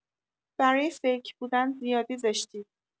برای فیک بودن زیادی زشتید